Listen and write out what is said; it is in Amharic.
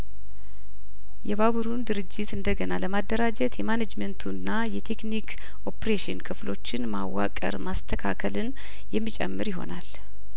የባቡሩን ድርጅት እንደገና ለማደራጀት የማኔጅመንቱና የቴክኒክ ኦፕሬሽን ክፍሎችን ማ ዋቅር ማስተካከልን የሚጨምር ይሆናል